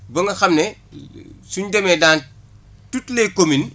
ba nga xam ne suñ demee dans toutes les communes